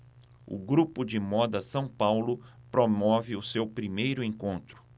o grupo de moda são paulo promove o seu primeiro encontro